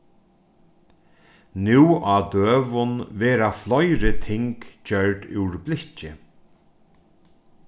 nú á døgum verða fleiri ting gjørd úr blikki